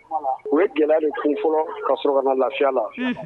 U ye gɛlɛya ni kun fɔlɔ ka sɔrɔ lafiya la